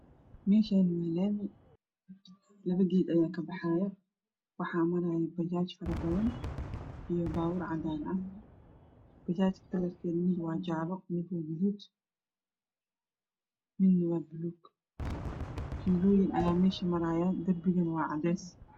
Meshan waa Lami Labo ged ayakabaxaya waxa maraya bajaj farabadan iyo baburcagar ah bajajka kalarkeda midwaa jele midna gaduud Mina waabalug filoyin ayaamarayo derbigana waacades